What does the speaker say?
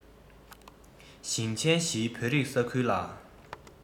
ཞིང ཆེན བཞིའི བོད རིགས ས ཁུལ ལ